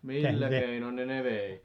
millä keinoin ne ne vei